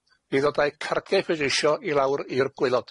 i ddod â'u cardiau pleidleisio i lawr i'r gwaelod.